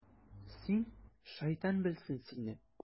Син, шайтан белсен сине...